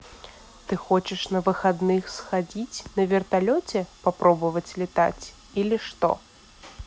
ты хочешь на выходных сходить на вертолете попробовать летать или что